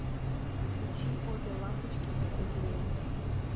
включи обе лампочки посветлее